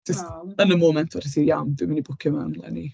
Jyst... aww ...yn y moment, dywedais i "Iawn, dwi'n mynd i bwcio mewn eleni."